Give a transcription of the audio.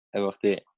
efo chdi